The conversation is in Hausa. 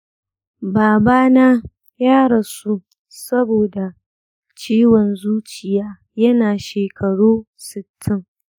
baba na ya rasu saboda ciwon zuciya yana shekaru sittin.